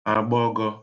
àgbọgọ̄